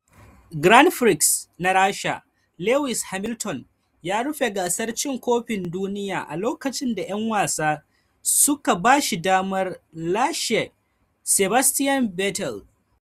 Grand Prix na Rasha: Lewis Hamilton ya rufe gasar cin kofin duniya a lokacin da 'yan wasa suka ba shi damar lashe Sebastian Vettel